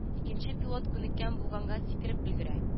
Икенче пилот күнеккән булганга сикереп өлгерә